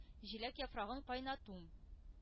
Җиләк яфрагын кайнату